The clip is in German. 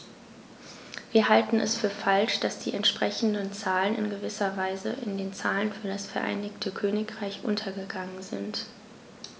Wir halten es für falsch, dass die entsprechenden Zahlen in gewisser Weise in den Zahlen für das Vereinigte Königreich untergegangen sind.